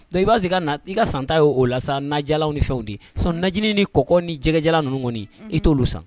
Don i b'a se ka i ka santa y ye o la sajalaw ni fɛnw de san lajɛj ni kɔk ni jɛgɛja ninnukɔni i t'oolu san